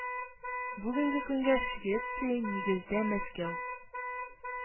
Бүгенге көнгә Швеция, нигездә, Мәскәү